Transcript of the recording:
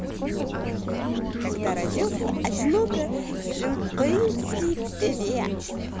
когда родился одиноко синтоиский певец